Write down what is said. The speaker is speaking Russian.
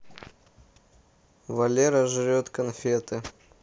валера жрет конфеты